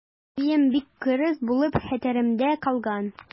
Әбием бик кырыс булып хәтеремдә калган.